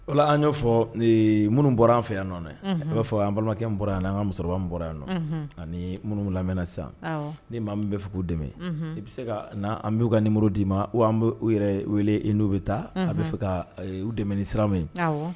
O an y'o fɔ minnu bɔra an fɛ yan nɔ i b'a fɔ an balimakɛ bɔra yan an ka musokɔrɔba bɔra yan nɔ ani minnu lamɛn sisan ni maa min bɛ fɔ k'u dɛmɛ i bɛ se ka an b'u ka ni muru d'i ma u yɛrɛ wele n'u bɛ taa a bɛ fɛ ka u dɛmɛ ni sirama ye